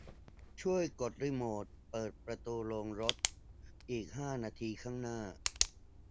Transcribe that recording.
ช่วยกดรีโมทเปิดประตูโรงรถอีกห้านาทีข้างหน้า